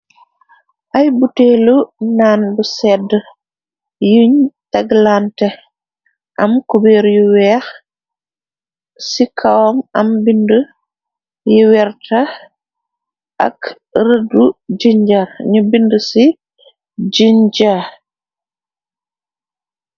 Ay buteelu naan bu sedd yuñ taglaanté , am kubeer yu weex ci kaw am bind yi werta ak rëdu jinjar, ñu bind ci jinja.